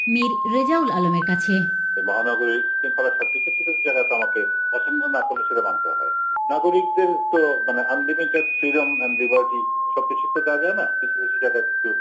মীর রেজাউল আলম এর কাছে এ মহানগরীর শৃঙ্খলা স্বার্থে কিছু কিছু জায়গায় তো আমাকে পছন্দ না করলেও সেটা মানতে হয় নাগরিকদের তো আনলিমিটেড ফ্রিডম বা লিবার্টি সব কিছুতে দেওয়া যায় না কিছু কিছু জায়গায় কিছু